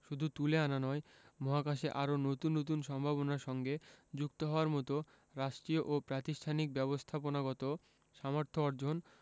শুধু তুলে আনা নয় মহাকাশে আরও নতুন নতুন সম্ভাবনার সঙ্গে যুক্ত হওয়ার মতো রাষ্ট্রীয় ও প্রাতিষ্ঠানিক ব্যবস্থাপনাগত সামর্থ্য অর্জন